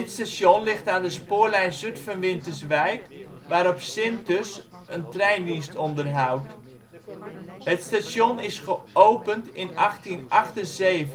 station ligt aan de spoorlijn Zutphen - Winterswijk waarop Syntus een treindienst onderhoudt. Het station is geopend in 1878